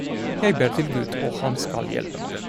Jeg ber til Gud, og han skal hjelpe meg.